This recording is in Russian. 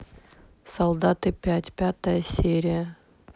солдаты пять пятая серия